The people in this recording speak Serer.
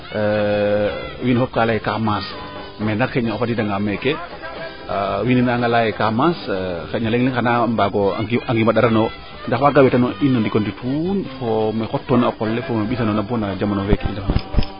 wiin we fop ka leye kaa maas mais nak xayna o fadiida nga meeke wiin we naanga leyaaye kaa maas xayna leŋ we a mbaa ngimba ndaranoyo ndax waaga wetan wa in o ndiko ndutuuñfo mee xot toona o qol le fo me mbisa noona no jamano feeke i ndef na